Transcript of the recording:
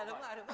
đúng rồi